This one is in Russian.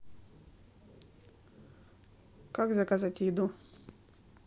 как заказать еду